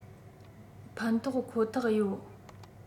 ཕན ཐོགས ཁོ ཐག ཡོད